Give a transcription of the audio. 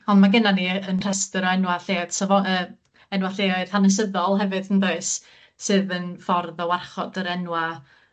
On' ma' gennan ni 'yn rhestyr o enwa' lleoedd safo- yy enwa' lleoedd hanesyddol hefyd yndoes sydd yn ffordd o warchod yr enwa'